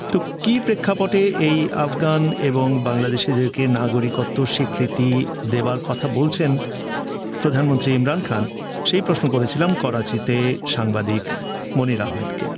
তো কি প্রেক্ষাপটে আফগান এবং বাংলাদেশীদেরকে নাগরিকত স্বীকৃতি দেবার কথা বলছেন ইমরান খান সেই প্রশ্ন করেছিলাম করাচিতে সাংবাদিক মনির আহমেদ কে